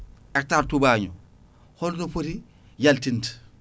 hectare tubaño holno foti yalinta